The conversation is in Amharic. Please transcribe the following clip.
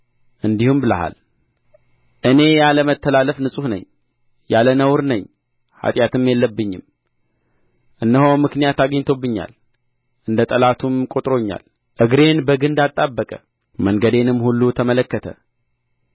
እንዲህም ብለሃል እኔ ያለ መተላለፍ ንጹሕ ነኝ ያለ ነውር ነኝ ኃጢአትም የለብኝም እነሆ ምክንያት አግኝቶብኛል እንደ ጠላቱም ቈጥሮኛል እግሬን በግንድ አጣበቀ መንገዴንም ሁሉ ተመለከተ